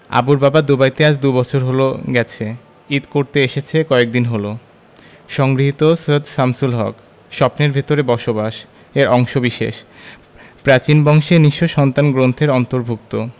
আবুর বাবা দুবাইতে আজ দুবছর হলো গেছে ঈদ করতে এসেছে কয়েকদিন হলো সংগৃহীত সৈয়দ শামসুল হক স্বপ্নের ভেতরে বসবাস এর অংশবিশেষ প্রাচীন বংশের নিঃস্ব সন্তান গ্রন্থের অন্তর্ভুক্ত